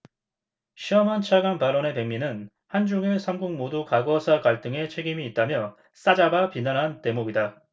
셔먼 차관 발언의 백미는 한 중 일 삼 국 모두 과거사 갈등에 책임이 있다며 싸잡아 비난한 대목이다